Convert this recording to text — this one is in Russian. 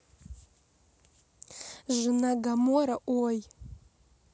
жена гамора ай